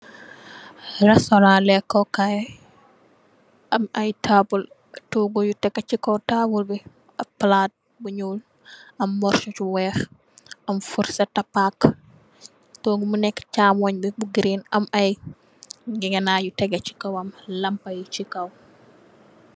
Restaurants lekkokaay am ay taabul, toogu yu tégé ci kaw taabul bi ak palaat bu ñuul, am morso bu weeh, am furset ak paka. Toogu mu nekk chàmoñ bi mu green am ay ngegenaay yu tégé chi kawam, lampa yi chi kaw.